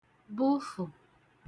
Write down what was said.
bufụ̀